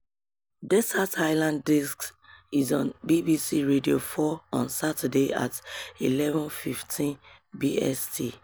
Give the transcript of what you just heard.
Desert Island Discs is on BBC Radio 4 on Sunday at 11:15 BST.